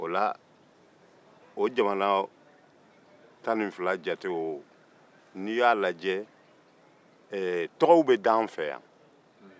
o la o jamana ta ni fila jate o n'i y'a lajɛ tɔgɔw bɛ da an fɛ yan